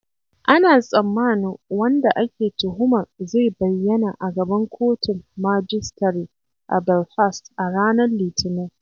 Ana tsammanin wanda ake tuhuman zai bayyana a gaban Kotun Majistare ta Belfast a ranar Litinin.